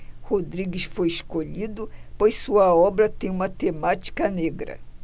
rodrigues foi escolhido pois sua obra tem uma temática negra